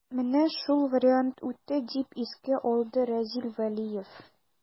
Менә шул вариант үтте, дип искә алды Разил Вәлиев.